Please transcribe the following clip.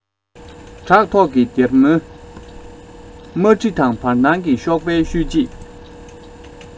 བྲག ཐོག གི སྡེར མོའི དམར དྲི དང བར སྣང གི གཤོག པའི ཤུལ རྗེས